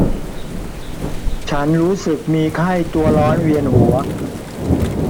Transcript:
ฉันรู้สึกมีไข้ตัวร้อนเวียนหัว